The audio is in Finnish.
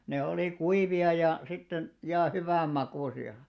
ne oli kuivia ja sitten ja hyvänmakuisia